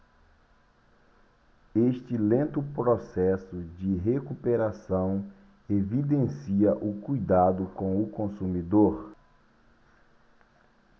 este lento processo de recuperação evidencia o cuidado com o consumidor